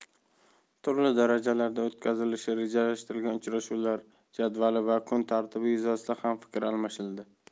turli darajalarda o'tkazilishi rejalashtirilgan uchrashuvlar jadvali va kun tartibi yuzasidan ham fikr almashildi